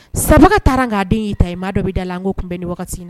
Saba ka taara k'a den y'i ta ye maa dɔ bɛ da la n ko tun bɛ ni na